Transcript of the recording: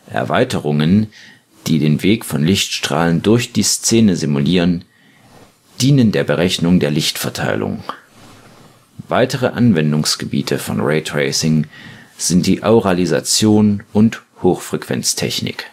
Erweiterungen, die den Weg von Lichtstrahlen durch die Szene simulieren, dienen, ebenso wie das Radiosity-Verfahren, der Berechnung der Lichtverteilung. Weitere Anwendungsgebiete von Raytracing sind die Auralisation und Hochfrequenztechnik